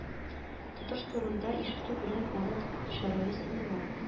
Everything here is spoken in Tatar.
Тотыш турында ишетү белән аның чырае сытыла